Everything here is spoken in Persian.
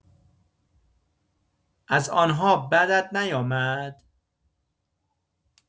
از آن‌ها بدت نیامد؟